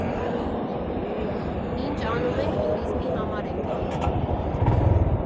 Ինչ անում ենք, տուրիզմի համար ենք անում։